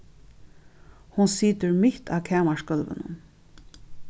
hon situr mitt á kamarsgólvinum